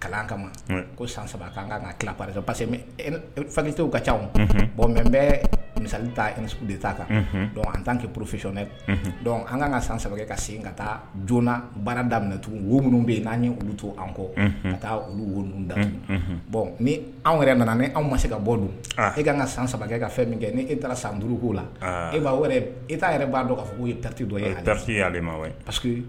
Ka ca bɔn n n bɛ mili kan an'an kɛ fiyɔnɛ an ka kan ka san saba ka sen ka taa j baara daminɛ minɛ tugun wo minnu bɛ yen n' olu to an kɔ ka taa olu wu dat bɔn ni anw yɛrɛ nana ni anw ma se ka bɔ don e kaan ka san saba ka fɛn min kɛ ni e taara san duuruuru'o la e e yɛrɛ b'a dɔn fɔ ko yeti dɔ